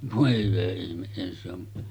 voi hyvä ihme eihän se on